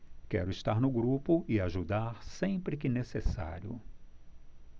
quero estar no grupo e ajudar sempre que necessário